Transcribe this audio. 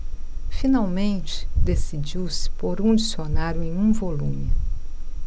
finalmente decidiu-se por um dicionário em um volume